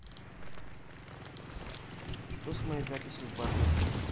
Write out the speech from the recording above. что с моей записью в барбершоп